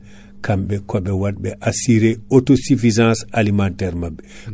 eyyi malheurée :frausement non ilam ɗam ari à 20%